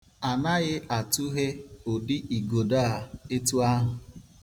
Anaghị atughe ụdị igodo a etu ahụ.